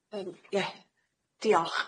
Yym, ie, diolch.